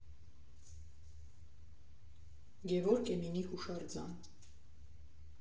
Գևորգ Էմինի հուշարձան։